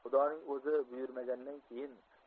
xudoning o'zi buyurmagandan keyin